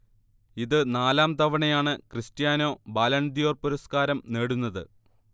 ഇത് നാലാം തവണയാണ് ക്രിസ്റ്റ്യാനോ ബാലൺദ്യോർ പുരസ്കാരം നേടുന്നത്